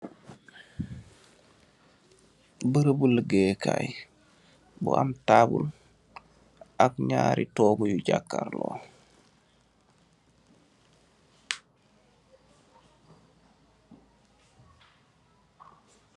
Beureubu ligehyeh kaii bu am taabul ak njaari tohgu yu jakarlor.